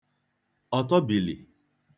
ọtọbili